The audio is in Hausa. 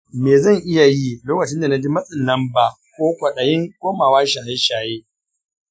me zan iya yi lokacin da na ji matsin lamba ko kwaɗayin komawa shaye-shaye?